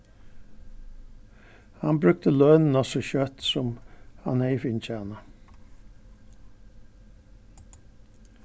hann brúkti lønina so skjótt sum hann hevði fingið hana